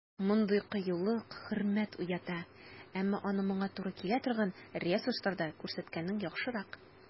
Мондый кыюлык хөрмәт уята, әмма аны моңа туры килә торган ресурсларда күрсәткәнең яхшырак.